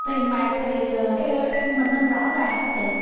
tiền bạc thì em mình nên rõ ràng á chị